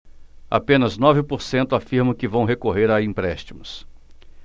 apenas nove por cento afirmam que vão recorrer a empréstimos